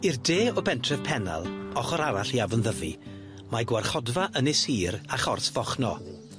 I'r de o'r bentref Pennal, ochor arall i Afon Ddyfi, mae gwarchodfa ynys hir a Chors Fochno.